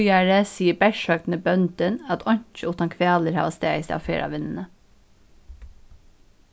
víðari sigur bersøgni bóndin at einki uttan kvalir hava staðist av ferðavinnuni